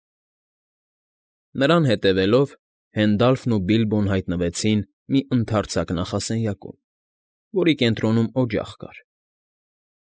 Նրան հետևելով՝ Հենդալֆն ու Բիլբոն հայտնվեցին մի ընդարձակ նախասենյակում, որի կենտրոնում օջախ կար։